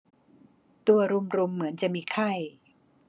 ตัวรุมรุมเหมือนจะมีไข้